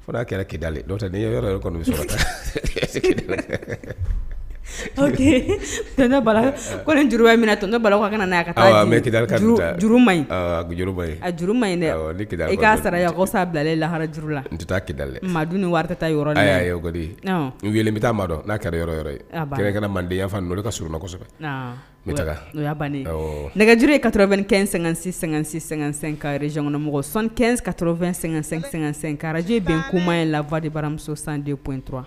' kɛra ki ko ni juruba minɛ ne bala ka'a ki juru juru ma i'a sarakɔ sa bila laharajuru la ki madu ni warita yɔrɔ n'u ye bɛ taa dɔn n'a kɛra kɛra mande ka sla kɔsɔ nɛgɛj kaoro2 kɛ sɛgɛn-sɛ-sɛsɛsɛn kare zɔnmɔgɔ san kɛn kaoro2--sɛkaraj bɛ kuma ye lafadi baramuso sanden kotura